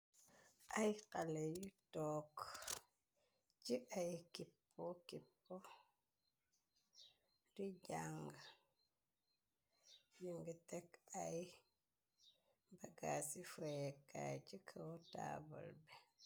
Ay xale yu took ci ay kipu kip rijang yu ngi tekk ay baga ci foyekay ci këw tabal bi.